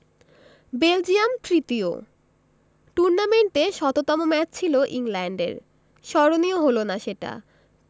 Belgium তৃতীয় টুর্নামেন্টে শততম ম্যাচ ছিল ইংল্যান্ডের স্মরণীয় হলো না সেটা